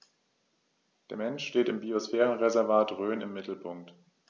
Der Mensch steht im Biosphärenreservat Rhön im Mittelpunkt.